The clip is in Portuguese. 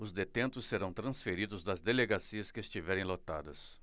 os detentos serão transferidos das delegacias que estiverem lotadas